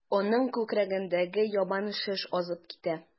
Аның күкрәгендәге яман шеш азып китә.